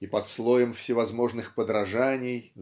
-- и под слоем всевозможных подражаний